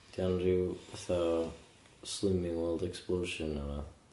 'Di o'n ryw fath o Slimming World explosion neu wbath?